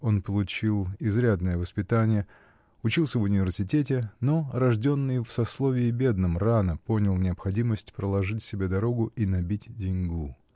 Он получил изрядное воспитание, учился в университете, но, рожденный в сословии бедном, рано понял необходимость проложить себе дорогу я набить деньгу.